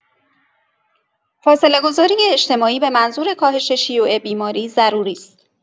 فاصله‌گذاری اجتماعی به‌منظور کاهش شیوع بیماری ضروری است.